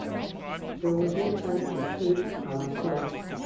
"There was no time to save ourselves.